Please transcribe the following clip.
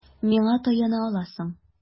Миңа таяна аласың.